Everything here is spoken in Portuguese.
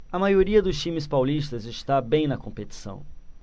a maioria dos times paulistas está bem na competição